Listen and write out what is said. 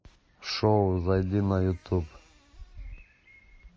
шоу зайди на ютюб